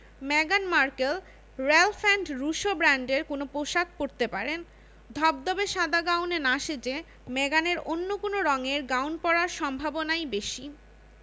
Markle Ralph and Russo ব্র্যান্ডের কোনো পোশাক পরতে পারেন ধবধবে সাদা গাউনে না সেজে মেগানের অন্য কোন রঙের গাউন পরার সম্ভাবনাই বেশি